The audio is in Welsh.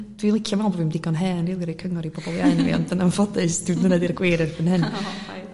dwi licio me'l bo' fi'm digon hen rili i reid cyngor i pobol iau na fi ond yn anffodus dim dyna di'r gwir erbyn hyn